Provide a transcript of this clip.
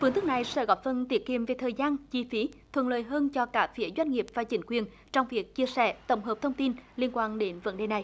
phương thức này sẽ góp phần tiết kiệm về thời gian chi phí thuận lợi hơn cho cả phía doanh nghiệp và chính quyền trong việc chia sẻ tổng hợp thông tin liên quan đến vấn đề này